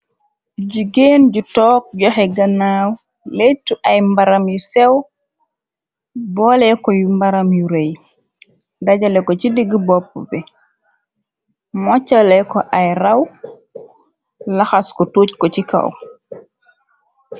Jigéen ju toog joxe ganaaw leetu ay mbaram yu sew boole ko yu mbaram yu rëy dajale ko ci digg bopp bi moccale ko ay raw laxas ko tuuj ko ci kaw.